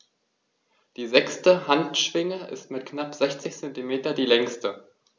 Die sechste Handschwinge ist mit knapp 60 cm die längste.